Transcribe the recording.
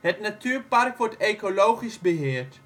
Het natuurpark wordt ecologisch beheerd